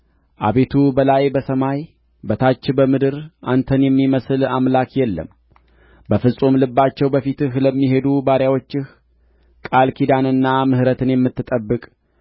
አቤቱ በላይ በሰማይ በታችም በምድር አንተን የሚመስል አምላክ የለም በፍጹም ልባቸው በፊትህ ለሚሄዱ ባሪያዎችህ ቃል ኪዳንንና ምሕረትን የምትጠብቅ